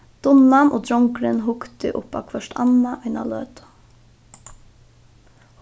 dunnan og drongurin hugdu upp á hvørt annað eina løtu